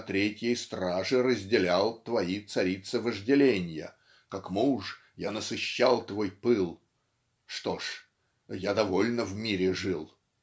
До третьей стражи разделял Твои царица вожделенья Как муж я насыщал твой пыл. Что-ж! Я довольно в мире жил.